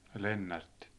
Lennartti